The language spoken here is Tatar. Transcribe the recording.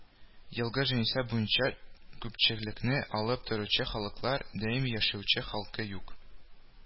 Елгы җанисәп буенча күпчелекне алып торучы халыклар: даими яшәүче халкы юк